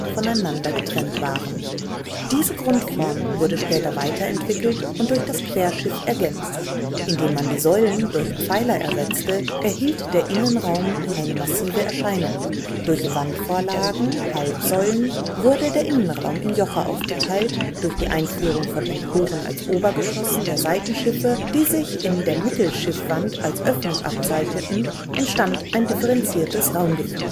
voneinander getrennt waren. Diese Grundform wurde später weiterentwickelt und durch das Querschiff ergänzt. Indem man die Säulen durch Pfeiler ersetzte, erhielt der Innenraum eine massivere Erscheinung. Durch Wandvorlagen (Halbsäulen) wurde der Innenraum in Joche aufgeteilt. Durch die Einführung von Emporen als Obergeschosse der Seitenschiffe, die sich in der Mittelschiffwand als Öffnungen abzeichneten, entstand ein differenziertes Raumgefüge